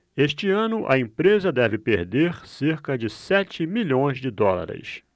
este ano a empresa deve perder cerca de sete milhões de dólares